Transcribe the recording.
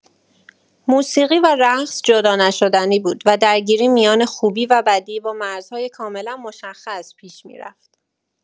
موسیقی و رقص جدا نشدنی بود و درگیری میان خوبی و بدی با مرزهای کاملا مشخص پیش می‌رفت.